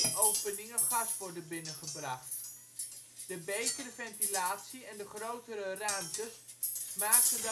openingen gas worden binnengebracht. De betere ventilatie en de grotere ruimtes maakten